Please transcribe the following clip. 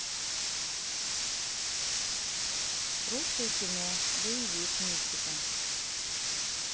русское кино боевик мистика